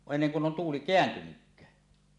ennen kuin on tuuli kääntynytkään